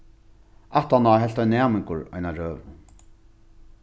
aftaná helt ein næmingur eina røðu